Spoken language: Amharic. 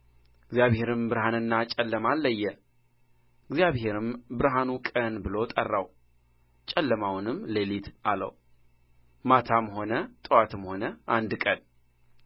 እግዚብሔርም ብርሃንንና ጨለማን ለየ እግዚአብሔርም ብርሃኑን ቀን ብሎ ጠራው ጨለማውንም ሌሊት አለው ማታም ሆነ ጥዋትም ሆነ አንድ ቀን